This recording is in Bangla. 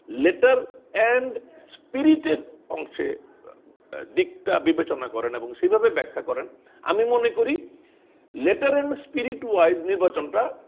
লেটার এন্ড স্পিরিটেড অংশে দিকটা বিবেচনা করে এবং সেই ভাবে ব্যাখ্যা করেন আমি মনে করি লেটার এন্ড স্পিরিট ওয়াইস নির্বাচনটা